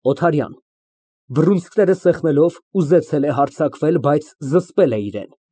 ՕԹԱՐՅԱՆ ֊ (Բռունցքները սեղմելով, ուզեցել է հարձակվել, բայց զսպել է իրեն)